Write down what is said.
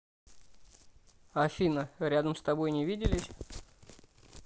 афина рядом с тобой не виделись